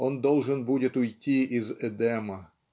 он должен будет уйти из Эдема